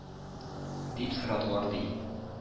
Дип сорадылар, ди.